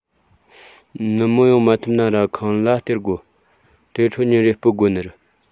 ནུབ མོ ཡོང མ ཐུབ ན ར ཁང གླ སྟེར དགོ དེ འཕྲོ ཉིན རེར སྤོད དགོ ནི རེད